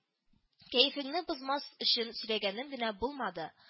Кәефеңне бозмас өчен сөйләгәнем генә булмады